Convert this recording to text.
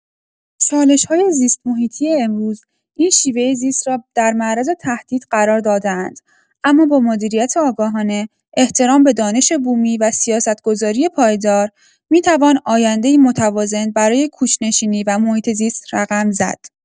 چالش‌های زیست‌محیطی امروز، این شیوه زیست را در معرض تهدید قرار داده‌اند، اما با مدیریت آگاهانه، احترام به دانش بومی و سیاست‌گذاری پایدار، می‌توان آینده‌ای متوازن برای کوچ‌نشینی و محیط‌زیست رقم زد.